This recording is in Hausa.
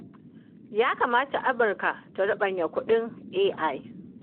Ya kamata Amurka ta ruɓanya kuɗin A.I.